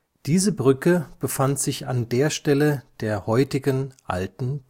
Diese Brücke befand sich an der Stelle der heutigen Alten